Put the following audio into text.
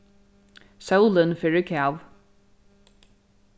sólin fer í kav